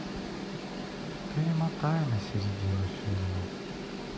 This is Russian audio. перемотай на середину фильма